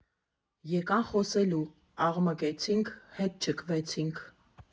Եկան խոսելու, աղմկեցինք, հետ չքվեցին։